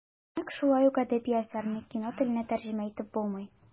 Нәкъ шулай ук әдәби әсәрне кино теленә тәрҗемә итеп булмый.